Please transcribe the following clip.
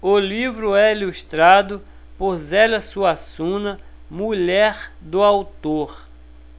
o livro é ilustrado por zélia suassuna mulher do autor